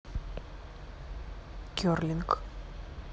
керлинг